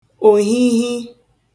òhihi